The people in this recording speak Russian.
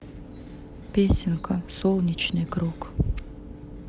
песенка солнечный круг